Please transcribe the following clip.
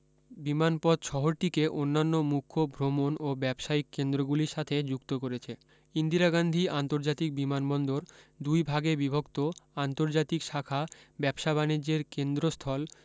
বিমানপথ শহরটিকে অন্যান্য মুখ্য ভ্রমণ ও ব্যাবসায়িক কেন্দ্রগুলির সাথে যুক্ত করেছে ইন্দিরাগান্ধী আন্তর্জাতিক বিমান বন্দর দুই ভাগে বিভক্ত আন্তর্জাতিক শাখা ব্যবসা বানিজ্যের কেন্দ্রস্থল